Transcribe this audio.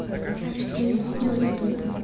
а четыре видео ютуб